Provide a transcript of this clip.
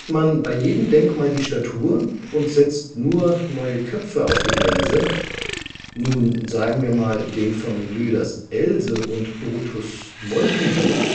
man bei jedem Denkmal die Statur? und setzt nur neue Köpfe auf die Hälse? Nun, sagen wir mal, den von Lüders Else und Brutus Molkenbuhr